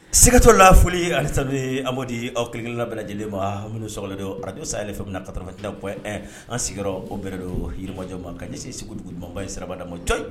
Sɛgɛtɔ laoli sa amadudi awk bɛ lajɛlen ma minnu so don araj sa de fɛ min kataratila an sigi o bɛ don yiriiri ɲɔgɔnjɔma ka se segu jugu dumanba in sabada ma to